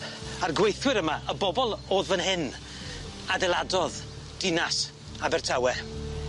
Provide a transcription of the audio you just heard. A'r gweithwyr yma, y bobol o'dd fyn hyn adeiladodd dinas Abertawe.